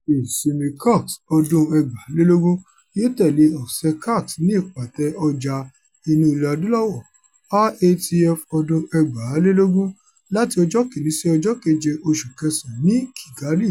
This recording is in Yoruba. Ìsinmi CAX 2020 yóò tẹ̀lé ọ̀sẹ̀-ẹ CAX ní Ìpàtẹ Ọjà Inú Ilẹ̀-Adúláwọ̀ (IATF2020) láti Ọjọ́ 1 sí ọjọ́ 7 oṣù kẹsàn-án ní Kigali.